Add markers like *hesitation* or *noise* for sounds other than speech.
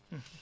*hesitation*